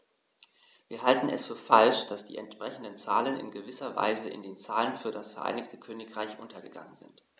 Wir halten es für falsch, dass die entsprechenden Zahlen in gewisser Weise in den Zahlen für das Vereinigte Königreich untergegangen sind.